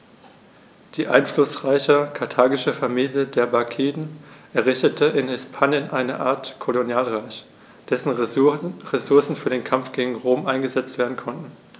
Die einflussreiche karthagische Familie der Barkiden errichtete in Hispanien eine Art Kolonialreich, dessen Ressourcen für den Kampf gegen Rom eingesetzt werden konnten.